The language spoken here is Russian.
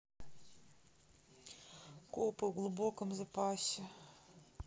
копы в глубоком запасе